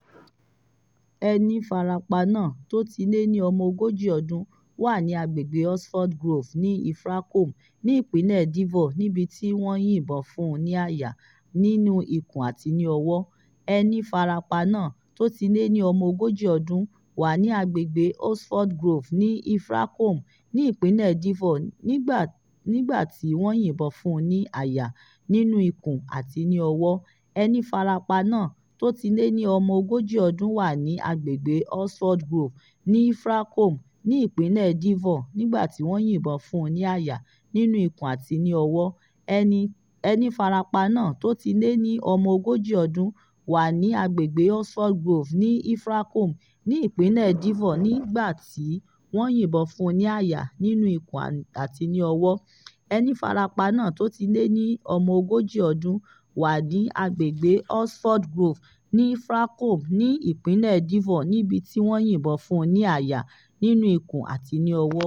Ẹni farapa náà, tó ti lé ní ọmọ ogójì ọdún, wà ní àgbègbè Oxford Grove ní Ilfracombe, ní ìpínlẹ̀ Devon, nígbà tí wọ́n yìnbọn fún un ní àyà, nínú ikùn àti ní ọwọ́.